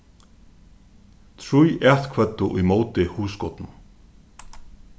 trý atkvøddu ímóti hugskotinum